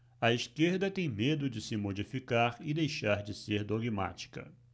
a esquerda tem medo de se modificar e deixar de ser dogmática